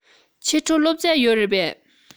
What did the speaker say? ཕྱི དྲོ སློབ ཚན ཡོད རེད པས